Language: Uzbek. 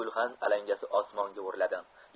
gulxan alangasi osmonga o'rladi